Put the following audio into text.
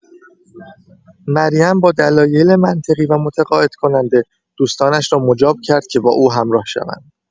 مریم با دلایل منطقی و متقاعدکننده، دوستانش را مجاب کرد که با او همراه شوند.